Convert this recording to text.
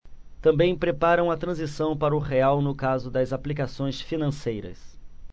também preparam a transição para o real no caso das aplicações financeiras